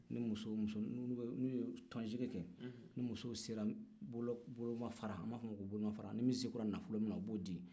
n'u ye tɔnsigi kɛ an b'a fɔ min ma ko bolomafara ni muso min sera nafolo min y'o b'o di